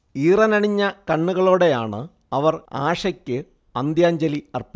ഈറനണിഞ്ഞ കണ്ണുകളോടെയാണ് അവർ ആഷയ്ക്ക് അന്ത്യാജ്ഞലി അർപ്പിച്ചത്